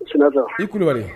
i Kulubali